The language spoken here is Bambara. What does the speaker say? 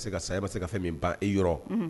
A se saya e bɛ se ka fɛn min ba e yɔrɔ